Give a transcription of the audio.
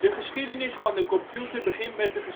geschiedenis van de computer begint met